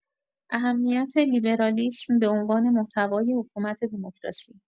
اهمیت لیبرالیسم به عنوان محتوای حکومت دموکراسی